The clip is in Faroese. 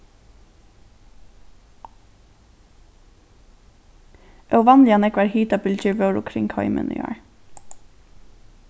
óvanliga nógvar hitabylgjur vóru kring heimin í ár